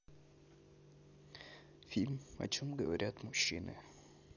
фильм о чем говорят мужчины